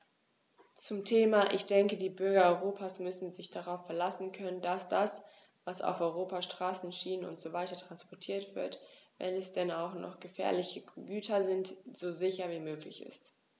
Zum Thema: Ich denke, die Bürger Europas müssen sich darauf verlassen können, dass das, was auf Europas Straßen, Schienen usw. transportiert wird, wenn es denn auch noch gefährliche Güter sind, so sicher wie möglich ist.